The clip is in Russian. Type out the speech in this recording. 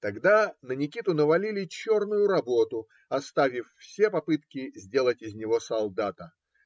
Тогда на Никиту навалили черную работу, оставив все попытки сделать из него солдата.